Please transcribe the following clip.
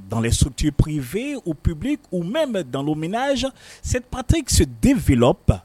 Dan sutippipve u ppipbi u mɛn bɛ dan minɛn jan se pate ki den vlɔ pa